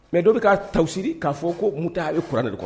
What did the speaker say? Mɛ dɔw bɛ ka tasiri k'a fɔ ko mu ta a bɛ kurara de kɔnɔ